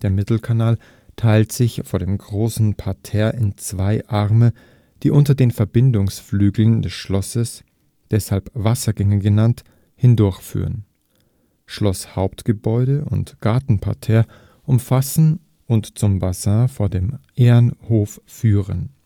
Mittelkanal teilt sich vor dem Großen Parterre in zwei Arme, die unter den Verbindungsflügeln des Schlosses (deshalb „ Wassergänge “genannt) hindurchführen, Schlosshauptgebäude und Gartenparterre umfassen und zum Bassin vor dem Ehrenhof führen